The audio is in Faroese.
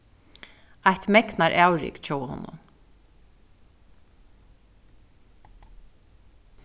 eitt megnaravrik hjá honum